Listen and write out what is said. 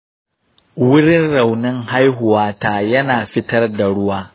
wurin raunin haihuwata yana fitar da ruwa.